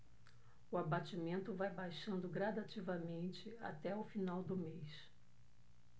o abatimento vai baixando gradativamente até o final do mês